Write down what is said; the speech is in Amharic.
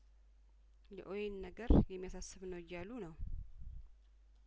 የኦዌን ነገር የሚያሳስብ ነው እያሉ ነው